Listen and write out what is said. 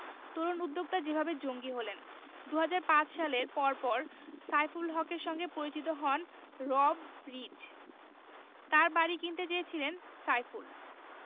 তরুণ উদ্যোক্তা যেভাবে জঙ্গি হলেন ২০০৫ সালের পরপর সাইফুল হকের সঙ্গে পরিচিত হন রব রিজ তাঁর বাড়ি কিনতে চেয়েছিলেন সাইফুল